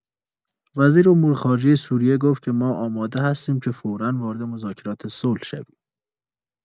وزیر امور خارجه سوریه گفت که ما آماده هستیم که فورا وارد مذاکرات صلح شویم.